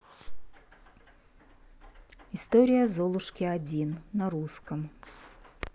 история золушки один на русском